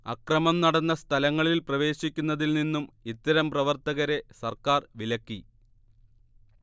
അക്രമം നടന്ന സ്ഥലങ്ങളിൽ പ്രവേശിക്കുന്നതിൽ നിന്നും ഇത്തരം പ്രവർത്തകരെ സർക്കാർ വിലക്കി